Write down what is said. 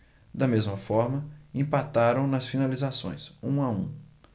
da mesma forma empataram nas finalizações um a um